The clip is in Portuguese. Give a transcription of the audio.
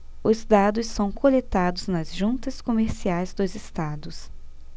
os dados são coletados nas juntas comerciais dos estados